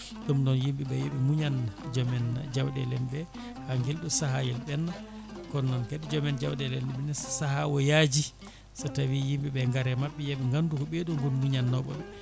ɗum noo yimɓeɓe yooɓe muñan joom en jawɗele en ɓe ha guel ɗo saahayel ɓenna kono noon kadi joom en jawɗele en saaha o yaaji so tawi yimɓeɓe gaare mabɓe yooɓe gandu ko ɓeeɗo gooni muñannoɓeɓe